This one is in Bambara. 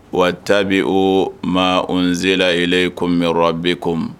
Wa tabi o maa unzil ilayikumirraboum